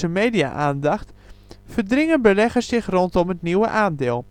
media-aandacht, verdringen beleggers zich rondom het nieuwe aandeel